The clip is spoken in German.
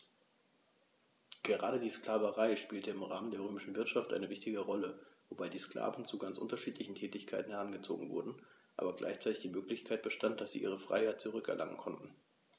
Gerade die Sklaverei spielte im Rahmen der römischen Wirtschaft eine wichtige Rolle, wobei die Sklaven zu ganz unterschiedlichen Tätigkeiten herangezogen wurden, aber gleichzeitig die Möglichkeit bestand, dass sie ihre Freiheit zurück erlangen konnten.